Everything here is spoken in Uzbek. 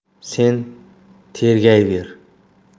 sen tergayver